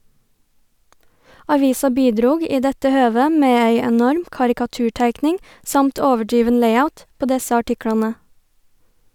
Avisa bidrog i dette høvet med ei enorm karikaturteikning, samt overdriven layout, på desse artiklane.